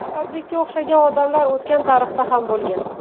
asadbekka o'xshagan odamlar o'tgan tarixda ham bo'lgan